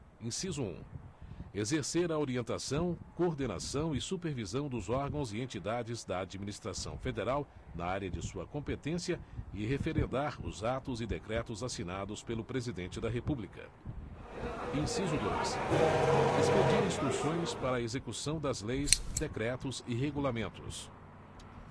inciso um exercer a orientação coordenação e supervisão dos órgãos e entidades da administração federal na área de sua competência e referendar os atos e decretos assinados pelo presidente da república inciso dois expedir instruções para a execução das leis decretos e regulamentos